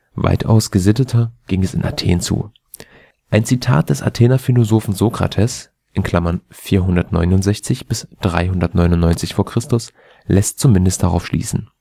Weitaus gesitteter ging es in Athen zu. Ein Zitat des Athener Philosophen Sokrates (469 – 399 v. Chr.) lässt zumindest darauf schließen